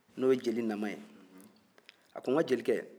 n'o ye jeli naman ye a ko n ka jelikɛ